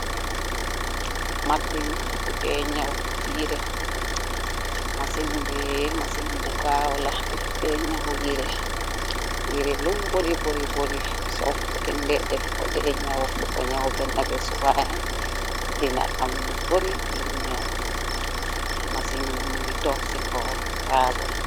Masin bu de nyaw yire, masin bu gawla def de naw yire, yire lum buri buri buri sof inde def ko de nyawndu ko nyaw benna bes, waay dina am lu buri lum nyaw, masin bi mungi toog si kaw taabul.